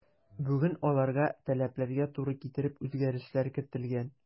Бүген аларга таләпләргә туры китереп үзгәрешләр кертелгән.